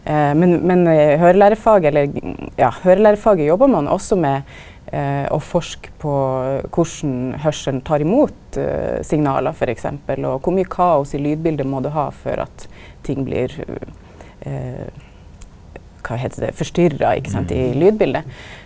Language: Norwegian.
men men høyrelærefaget eller ja høyrelærefaget jobbar ein også med å forska på korleis høyrselen tar imot signal f.eks. og kor mykje kaos i lydbiletet må du ha for at ting blir kva heiter det forstyrra ikkje sant i lydbiletet.